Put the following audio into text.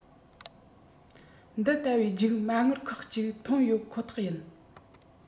འདི ལྟ བུའི རྒྱུག མ དངུལ ཁག གཅིག ཐོན ཡོད ཁོ ཐག ཡིན